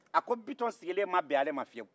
a ko bitɔn sigilen ma bɛn ale ma fiyew